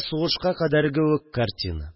Сугышка кадәрге үк картина